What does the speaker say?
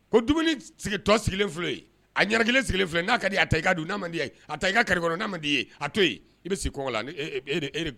Ko dumunitɔ sigilen yen a ɲ kelen sigilen n'a ka a ta i don a ta i kak' man ye a to yen i bɛ sigi kɔ la